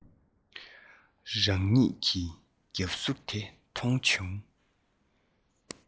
རང ཉིད ཀྱི རྒྱབ གཟུགས དེ མཐོང བྱུང